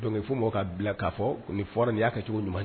Donke'' ka bila ka fɔ u fɔra nin y'a cogo ɲuman